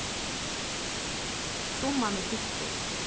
sum hann er fittur